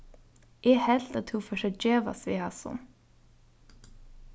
eg helt at tú fórt at gevast við hasum